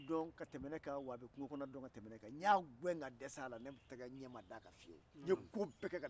an yɛrɛ ye fɛn caman ye ni muso ye a muɲu ka sigi ka sabali